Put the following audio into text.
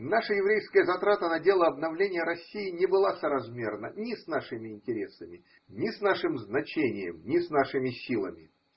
–Наша еврейская затрата на дело обновления России не была соразмерна ни с нашими интересами, ни с нашим значением, ни с нашими силами.